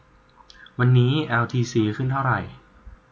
วันนี้แอลทีซีขึ้นเท่าไหร่